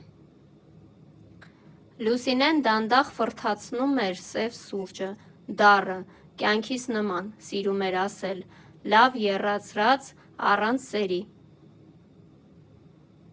Լուսինեն դանդաղ ֆռթացնում էր սև սուրճը՝ դառը («կյանքիս նման»՝ սիրում էր ասել), լավ եռացրած՝ առանց սերի։